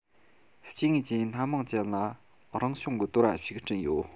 སྐྱེ དངོས གྱི སྣ མང ཅན ལ རང བྱུང གི དོ ར ཞིག སྐྲུན ཡོད